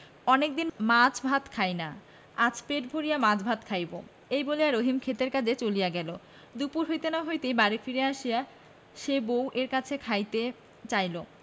অনেকদিন মাছ ভাত খাই না আজ পেট ভরিয়া মাছ ভাত খাইব এই বলিয়া রহিম ক্ষেতের কাজে চলিয়া গেল দুপুর হইতে না হইতেই বাড়ি ফিরিয়া আসিয়া সে বউ এর কাছে খাইতে চাহিল